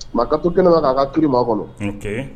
Mais a ka to kɛnɛma k'a ka kiri maa kɔnɔ. Ok .